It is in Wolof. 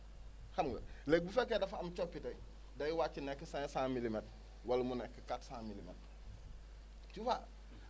xam nga léegi bu fekkee dafa am coppite day wàcc nekk cinq cent milimètres wala mu nekk quatre cent milimètres tu vois